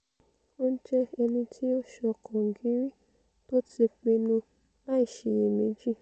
Ó jẹ́ ẹnití ó ṣọkàn gíri, tóti pinnu, láìsiyèméji.''